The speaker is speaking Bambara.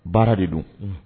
Baara de don